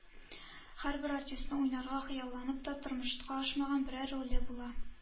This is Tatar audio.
Һәрбер артистның, уйнарга хыялланып та, тормышка ашмаган берәр роле була.